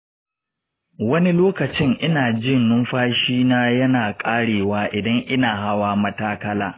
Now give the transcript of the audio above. wani lokacin ina jin numfashi na yana ƙarewa idan ina hawa matakala.